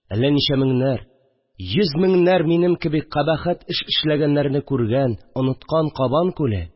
Әллә ничә меңнәр, йөз меңнәр минем кеби кабахәт эш эшләгәннәрне күргән-оныткан Кабан күле